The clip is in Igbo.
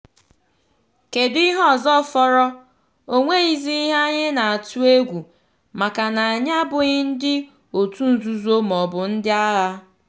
Kedu ihe ọzọ fọrọ, o nweghizi ihe anyị na-atụ egwu, maka na anyị abụghị ndị otu nzuzo maọbụ ndị agha.